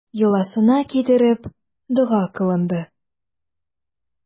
Йоласына китереп, дога кылынды.